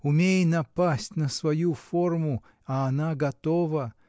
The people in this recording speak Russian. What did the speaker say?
Умей напасть на свою форму, а она готова.